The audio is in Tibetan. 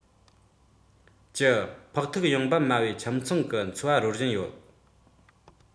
ཕོག ཐུག ནས ཚད ལྡན བྱ ཡུལ གྱི ཁེ ཕན ལ ཐེབས ཡོད ཁོ ཐག རེད